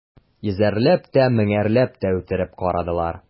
Йөзәрләп тә, меңәрләп тә үтереп карадылар.